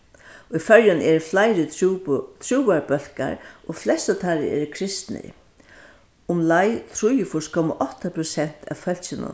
í føroyum eru fleiri trúarbólkar og flestu teirra eru kristnir umleið trýogfýrs komma átta prosent av fólkinum